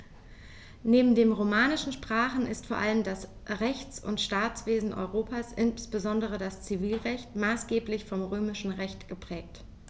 Neben den romanischen Sprachen ist vor allem das Rechts- und Staatswesen Europas, insbesondere das Zivilrecht, maßgeblich vom Römischen Recht geprägt.